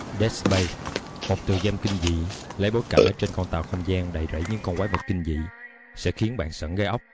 dead space một tựa game kinh dị lấy bối cảnh ở trên con tàu không gian đầy rẫy những con quái vật kinh dị sẽ khiến bạn sởn gai ốc